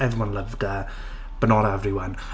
Everyone loved her but not everyone.